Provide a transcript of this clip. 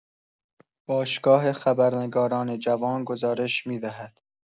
باشگاه خبرنگاران جوان گزارش می‌دهد.